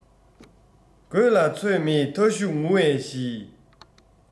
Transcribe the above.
དགོད ལ ཚོད མེད མཐའ གཞུག ངུ བའི གཞི